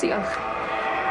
Diolch.